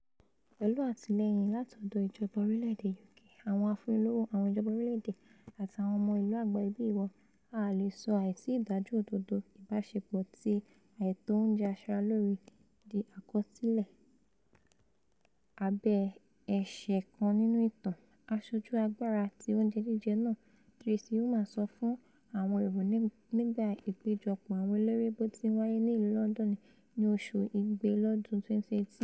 Pẹ̀lú àtìlẹ́yìn láti ọ̀dọ̀ ìjọba orílẹ̀-èdè UK, àwọn afúnnilówó. àwọn ìjọba orílẹ̀-èdè, àti Àwọn Ọmọ Ìlú Àgbáyé bíi ìwọ, a leè sọ àìsí ìdájọ́ òdodo ìbaṣepọ̀ ti àìtó oúnjẹ aṣaralóore dí àkọsílẹ abẹ́-ẹṣé kan nínú ìtàn,'' àṣojú Agbára ti Oúnjẹ Jíjẹ Náà Tracey Ullman sọ fún àwọm èrò nigba ìpéjọpọ̀ àwọn eléré bóti ńwáyé ní ìlú Lọndọnu ní oṣu Igbe lọ́dún 2018.